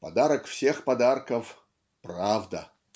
Подарок всех подарков - правда.